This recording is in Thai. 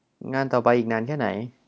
งานต่อไปอีกนานแค่ไหน